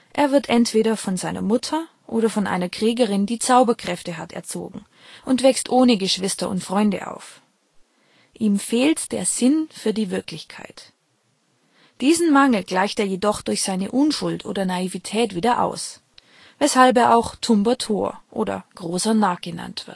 Er wird entweder von seiner Mutter oder von einer Kriegerin, die Zauberkräfte hat, erzogen, und wächst ohne Geschwister und Freunde auf. Ihm fehlt der Sinn für die Wirklichkeit, diesen Mangel gleicht er jedoch durch seine Unschuld oder Naivität wieder aus, weshalb er auch " tumber Tor " oder " großer Narr " genannt